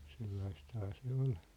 sellaistahan se oli